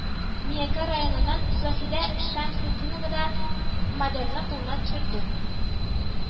Миякә районыннан Заһидә Шәмсетдинова да модемны кулына төшерде